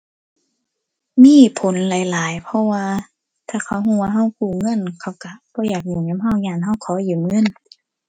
มีผลหลายหลายเพราะว่า ถ้าเขารู้ว่ารู้กู้เงิน เขารู้บ่อยากยุ่งนำรู้ ย้านรู้ขอยืมเงิน